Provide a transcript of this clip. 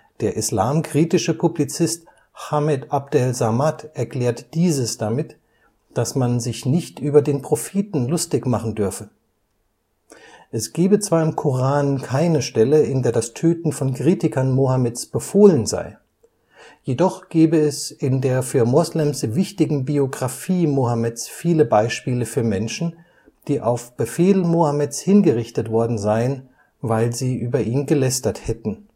Der islamkritische Publizist Hamed Abdel-Samad erklärt dieses damit, dass man sich nicht über den Propheten lustig machen dürfe. Es gebe zwar im Koran keine Stelle, in der das Töten von Kritikern Mohammeds befohlen sei, jedoch gebe es in der für Moslems wichtigen Biographie Mohammeds viele Beispiele für Menschen, die auf Befehl Mohammeds hingerichtet worden seien, weil sie über ihn gelästert hätten